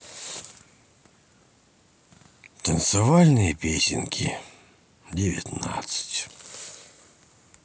танцевальные песенки девятнадцать